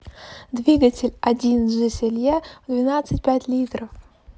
двигатель один джезерье в двенадцать пять литров